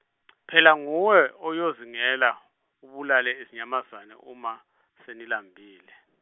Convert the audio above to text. phela nguwe oyozingela, ubulale izinyamazane uma senilambile.